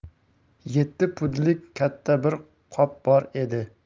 yetti pudlik katta bir qop bor edi